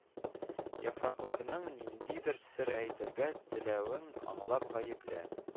Яфракларның ниндидер сер әйтергә теләвен аңлап, гаепле,